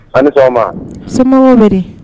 A ko so bɛ